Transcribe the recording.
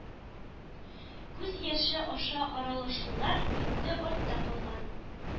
Күз яше аша аралашулар инде артта калган.